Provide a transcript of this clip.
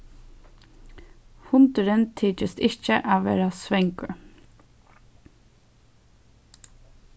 hundurin tykist ikki at vera svangur